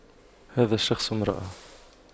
هذا الشخص امرأة